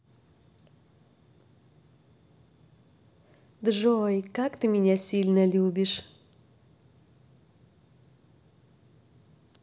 джой как ты меня сильно любишь